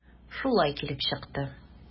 Шулай килеп чыкты.